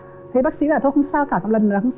thấy bác sĩ bảo thôi không sao cả một lần không